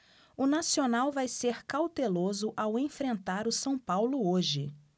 o nacional vai ser cauteloso ao enfrentar o são paulo hoje